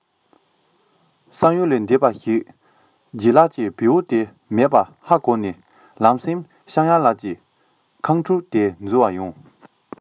བསམ ཡུལ ལས འདས པ ཞིག ལ ལྗད ལགས ཀྱིས བེའུ དེ མེད པ ཧ གོ ནས ལམ སེང སྤྱང ལགས ཀྱི ཁང ཧྲུལ དེའི ནང འཛུལ ཡོང བ རེད